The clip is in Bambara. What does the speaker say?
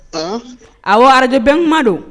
A araj bɛ kuma don